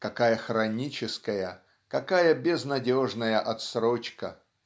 какая хроническая, какая безнадежная отсрочка!.